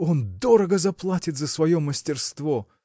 – Он дорого заплатит за свое мастерство!